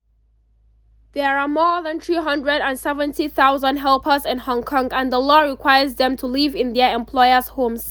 There are more than 370,000 helpers in Hong Kong and the law requires them to live in their employers’ homes.